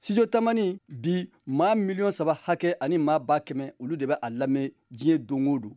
studio tamani bi maa miliyɔn saba hakɛ ani maa ba kɛmɛ olu de b'a lamɛn diɲɛ don o don